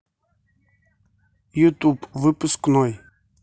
ютуб выпускной